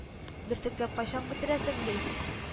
Бөртекләп кайчаң бетерәсең, – ди